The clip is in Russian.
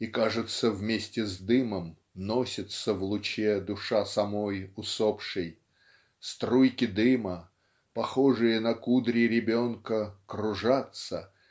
И кажется, вместе с дымом носится в луче душа самой усопшей. Струйки дыма похожие на кудри ребенка кружатся